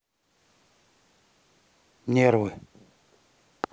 нервы